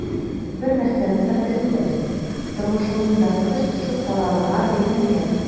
Бер нәрсәне хәтерендә тот: тормышыңның бәхете шушы карарыңа бәйләнгән.